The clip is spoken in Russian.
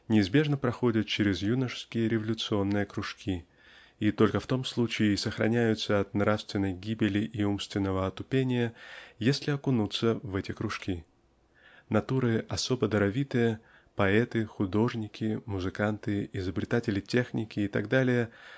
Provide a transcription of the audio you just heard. неизбежно проходят через юношеские революционные кружки и только в том случае и сохраняются от нравственной гибели и умственного отупения если окунутся в эти кружки. Натуры особо даровитые поэты художники музыканты изобретатели-техники и т. д.